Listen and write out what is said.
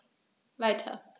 Weiter.